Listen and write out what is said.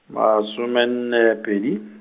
masome nne pedi.